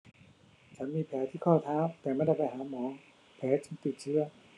ฉันมีแผลที่ข้อเท้าแต่ไม่ได้ไปหาหมอแผลจึงติดเชื้อ